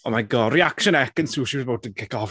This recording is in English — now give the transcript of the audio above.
Oh my God, reaction Ekin-Su, she was about to kick off.